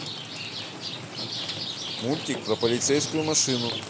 мультик про полицейскую машину